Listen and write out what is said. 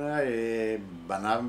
A ye bana